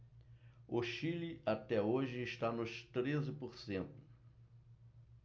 o chile até hoje está nos treze por cento